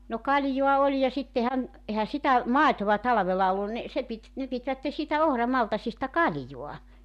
no kaljaa oli ja sittenhän eihän sitä maitoa talvella ollut niin se piti ne pitivät siitä ohramaltaista kalja